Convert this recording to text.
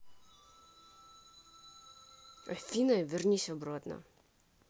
афина вернись обратно